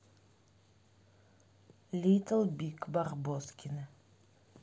литл биг барбоскины